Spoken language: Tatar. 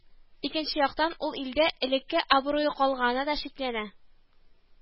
Икенче яктан, ул илдә элекке абруе калганына да шикләнә